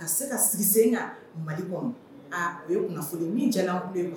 A ka se ka sigi sen kan Mali kɔnɔ, a o ye kunnafoni ye min